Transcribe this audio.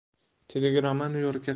telegramma nyu yorkka